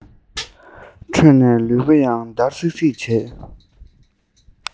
ཁྲོས ནས ལུས པོ ཡང འདར སིག སིག བྱེད